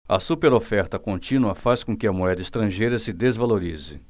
a superoferta contínua faz com que a moeda estrangeira se desvalorize